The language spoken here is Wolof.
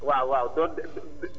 Mbaye waaw